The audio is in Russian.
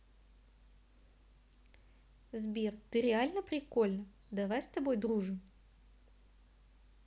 сбер ты реально прикольно давай с тобой дружим